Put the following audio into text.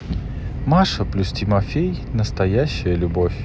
маша плюс тимофей настоящая любовь